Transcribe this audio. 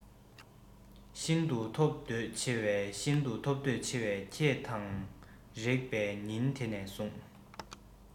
ཤིན ཏུ ཐོབ འདོད ཆེ བས ཤིན ཏུ ཐོབ འདོད ཆེ བས ཁྱེད དང རེག པའི ཉིན དེ ནས བཟུང